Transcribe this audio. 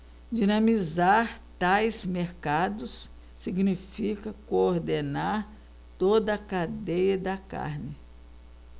dinamizar tais mercados significa coordenar toda a cadeia da carne